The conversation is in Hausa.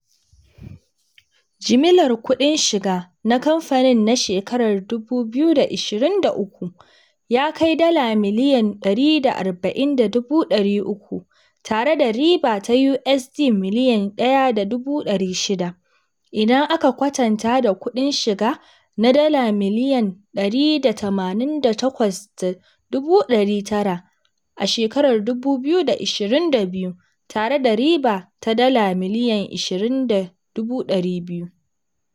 Jimillar kuɗin shiga na kamfanin na shekarar 2023 ya kai dala 140.3 miliyan, tare da riba ta USD 1.6 miliyan, idan aka kwatanta da kuɗin shiga na dala 188.9 miliyan a 2022, tare da riba ta dala 20.2 miliyan.